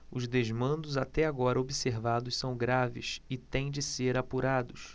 os desmandos até agora observados são graves e têm de ser apurados